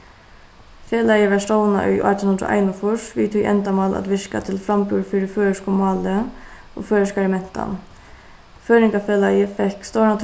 felagið varð stovnað í átjan hundrað og einogfýrs við tí endamál at virka til framburð fyri føroyskum máli og føroyskari mentan føroyingafelagið fekk stóran